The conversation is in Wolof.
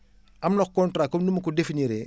am na contrat comme ni ma ko definir